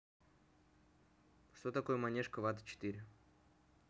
что такое манежка вата четыре